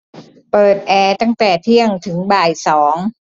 เปิดแอร์ตั้งแต่เที่ยงถึงบ่ายสอง